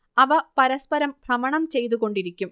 അവ പരസ്പരം ഭ്രമണം ചെയ്തുകൊണ്ടിരിക്കും